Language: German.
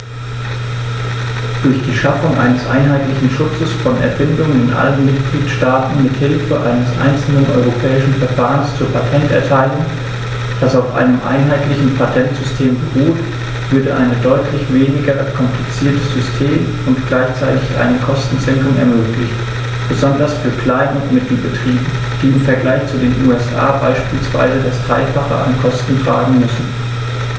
Durch die Schaffung eines einheitlichen Schutzes von Erfindungen in allen Mitgliedstaaten mit Hilfe eines einzelnen europäischen Verfahrens zur Patenterteilung, das auf einem einheitlichen Patentsystem beruht, würde ein deutlich weniger kompliziertes System und gleichzeitig eine Kostensenkung ermöglicht, besonders für Klein- und Mittelbetriebe, die im Vergleich zu den USA beispielsweise das dreifache an Kosten tragen müssen.